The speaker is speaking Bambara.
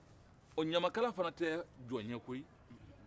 ɲamakala fana tɛ jɔn ye koyi